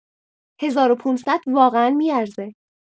هزار و پونصد واقعا می‌ارزه.